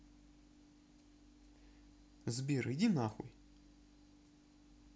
сбер иди нахуй